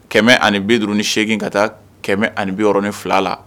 Kɛmɛ ani bi duuru ni8gin ka taa kɛmɛ ani biɔrɔn ni fila la